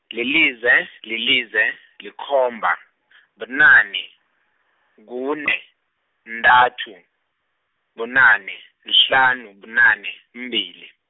lilize, lilize, likhomba , bunane, kune, -ntathu, bunane, zihlanu, bunane, mbili.